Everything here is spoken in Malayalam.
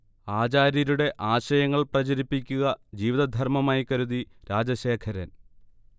ആചാര്യരുടെ ആശയങ്ങൾ പ്രചരിപ്പിക്കുക ജീവിതധർമമായി കരുതി രാജശേഖരൻ